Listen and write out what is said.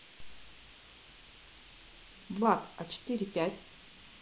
влад а четыре пять